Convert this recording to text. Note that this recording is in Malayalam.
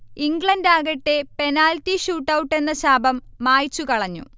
ഇംഗ്ലണ്ടാകട്ടെ പെനാൽറ്റി ഷൂട്ടൗട്ടെന്ന ശാപം മായ്ച്ചു കളഞ്ഞു